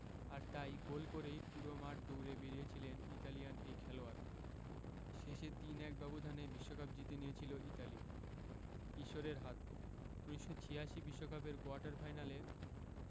আর তাই গোল করেই পুরো মাঠ দৌড়ে বেড়িয়েছিলেন ইতালিয়ান এই খেলোয়াড় শেষে ৩ ১ ব্যবধানে বিশ্বকাপ জিতে নিয়েছিল ইতালি ঈশ্বরের হাত ১৯৮৬ বিশ্বকাপের কোয়ার্টার ফাইনালে